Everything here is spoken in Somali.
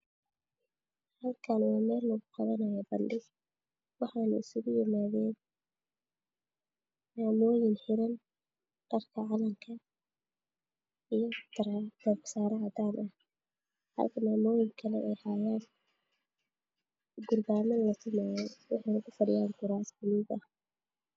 Halkaan waa barandho maamoyin xiran dharka calanka haayan gurbaman la tumayo kuraasman nimanak